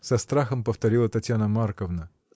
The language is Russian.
— со страхом повторила Татьяна Марковна.